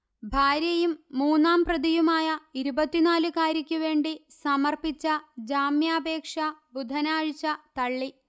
ഭാര്യയും മൂന്നാം പ്രതിയുമായ ഇരുപത്തിനാലുകാരിയ്ക്ക് വേണ്ടി സമർപ്പിച്ച ജാമ്യാപേക്ഷ ബുധനാഴ്ച തള്ളി